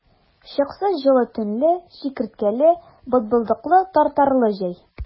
Чыксыз җылы төнле, чикерткәле, бытбылдыклы, тартарлы җәй!